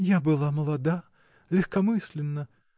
-- Я была молода, легкомысленна.